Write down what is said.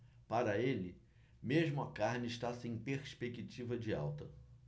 para ele mesmo a carne está sem perspectiva de alta